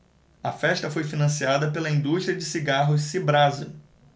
a festa foi financiada pela indústria de cigarros cibrasa